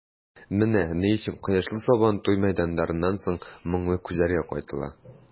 Менә ни өчен кояшлы Сабантуй мәйданнарыннан соң моңлы күзләргә кайтыла.